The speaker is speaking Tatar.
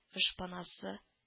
Ышпанасы